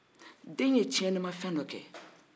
den ye tiɲɛni kɛ